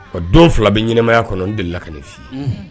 Wa don fila bɛ ɲanamaya kɔnɔ n deli la ka nin f'i ɲɛna.